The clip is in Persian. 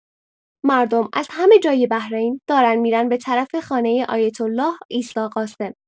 مردم از همه‌جای بحرین دارن می‌رن به‌طرف خانه آیت‌الله عیسی قاسم!